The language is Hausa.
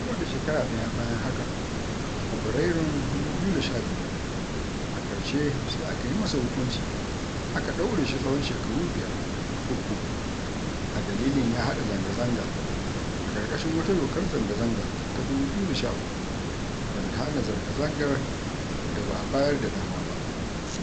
Sama da shekara ɗaya bayan hakan, a Fabarairun 2015, a ƙarshe sai aka yi masa hukunci aka ɗaure shi tsawon shekaru biyar a kurkuku a dalilin ya "haɗa" zanga-zanga a ƙarƙashin wata dokar zanga-zanga ta 2013 wadda ta hana zanga-zangar da ba a bayar da dama ba.